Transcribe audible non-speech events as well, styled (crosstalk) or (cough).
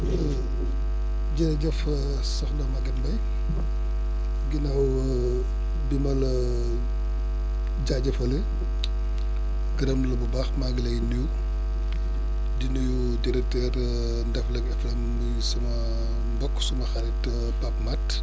(coughs) jërëjëf (hesitation) Sokhna Maguette Mbaye (noise) ginnaaw (hesitation) bi ma la (hesitation) jaajëfalee gërëm la bu baax maa ngi lay nuyu di nuyu directeur (hesitation) Ndefleng FM nuyu sama (hesitation) Mbokk sama xarit (hesitation) Pape Matt